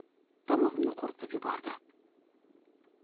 tomog'imni quritib yubordi